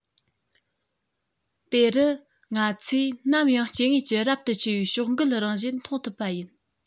དེ རུ ང ཚོས ནམ ཡང སྐྱེ དངོས ཀྱི རབ ཏུ ཆེ བའི ཕྱོགས འགལ རང བཞིན མཐོང ཐུབ པ ཡིན